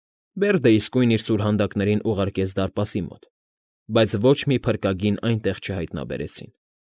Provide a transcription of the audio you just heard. Բերդն իսկույն իր սուրհանդակներին ուղարկեց դարպասի մոտ, բայց ոչ մի փրկագին այնտեղ չհայտնաբերեցին։